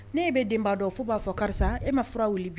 Ne bɛ denba dɔn f'o b'a fɔ karisa, e ma fura wili bi?